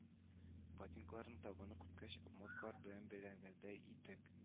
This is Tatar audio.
Ботинкаларның табаны купкач обмоткалар белән бәйләгәндәй иттек